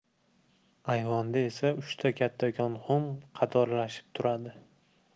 ayvonda esa uchta kattakon xum qatorlashib turadi